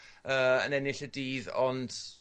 yy yn ennill y dydd ond